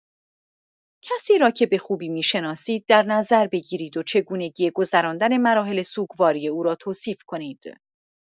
کسی را که به خوبی می‌شناسید در نظر بگیرید و چگونگی گذراندن مراحل سوگواری او را توصیف کنید.